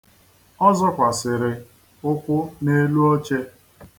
Ọ zọkwasịrị ụkwụ n'elu oche.